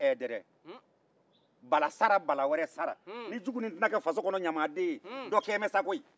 bala sara bala wɛrɛ sara ni jugunin tɛna kɛ faso kɔnɔ ɲamaden ye dɔ kɛlen bɛ sa koyi